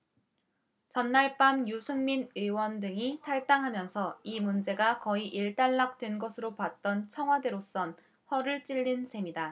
전날 밤 유승민 의원 등이 탈당하면서 이 문제가 거의 일단락된 것으로 봤던 청와대로선 허를 찔린 셈이다